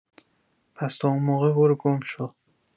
پس تا اون موقع برو گم شو